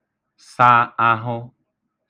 sa ahụ̄